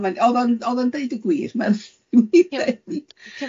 O mae'n o'dd o'n o'dd o'n deud y gwir, mae rhai i mi ddeud.